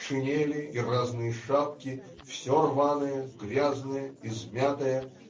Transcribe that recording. шинели и разные шапки - все рваное, грязное, измятое